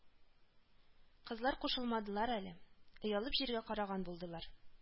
Кызлар кушылмадылар әле, оялып җиргә караган булдылар